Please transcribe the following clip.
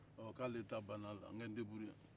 k'ale ta banna la n kan jija